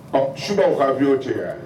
Ɔ sunbaw ka aavio .te yen wa ?